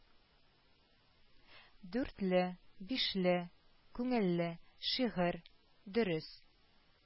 «дүрт»ле («биш»ле), күңелле, шигырь, дөрес,